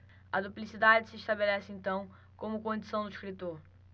a duplicidade se estabelece então como condição do escritor